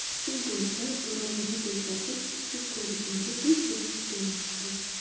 u bo'lsa burovini bo'shatib yechib ko'rishimga hech ruxsat bermasdi